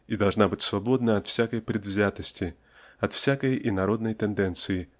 и должна быть свободна от всякой предвзятости от всякой инородной тенденции